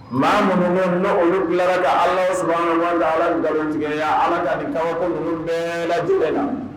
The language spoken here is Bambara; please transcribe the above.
Maa mun na olu bilara ka ala saba man da ala nkalonjɛya ala ka di kabako minnu bɛ lajɛlen la